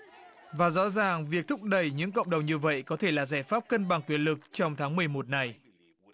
và rõ ràng việc thúc đẩy những cộng đồng như vậy có thể là giải pháp cân bằng quyền lực trong tháng mười một này